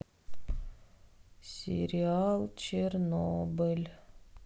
сериал чернобыль